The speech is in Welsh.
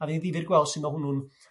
A fy' 'i'n ddifyr gweld su' ma' hwnnw'n